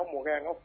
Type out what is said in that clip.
An mɔkɛ in n ko